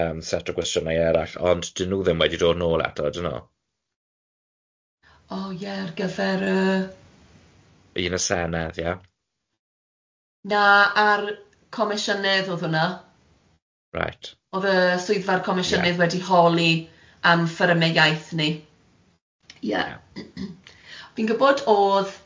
ar yym set o gwestiynau eraill, ond 'di nhw ddim wedi dod nôl eto ydyn nhw? Oh ie ar gyfer yyy. Un y senedd ia? Na a'r comisiynydd o'dd hwnna. Right. O'dd y swyddfa yr comisiynydd wedi holi am ffyrmau iaith ni. Ie. Fi'n gwbod o'dd